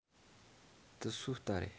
དེ སུའུ རྟ རེད